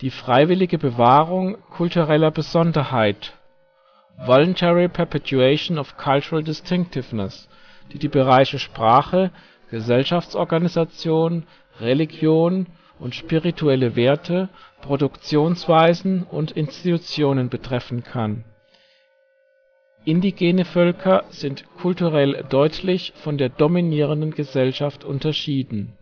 freiwillige Bewahrung kultureller Besonderheit (voluntary perpetuation of cultural distinctiveness), die die Bereiche Sprache, Gesellschaftsorganisation, Religion und spirituelle Werte, Produktionsweisen und Institutionen betreffen kann: Indigene Völker sind kulturell deutlich von der dominierenden Gesellschaft unterschieden